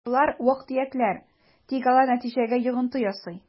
Болар вак-төякләр, тик алар нәтиҗәгә йогынты ясый: